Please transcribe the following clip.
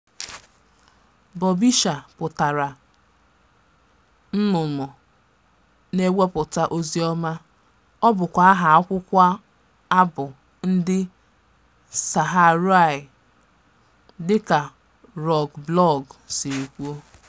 Bubisher pụtara nnụnụ na-ewepụta ozi ọma. Ọ bụkwa aha akwụkwọ abụ ndị Saharaui dịka Roge blọọgụ siri kwuo.